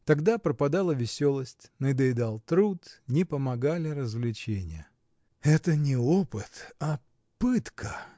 Тогда пропадала веселость, надоедал труд, не помогали развлечения. — Это не опыт, а пытка!